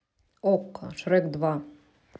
окко шрек два